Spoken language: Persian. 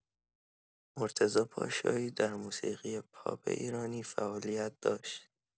مرتضی پاشایی در موسیقی پاپ ایرانی فعالیت داشت.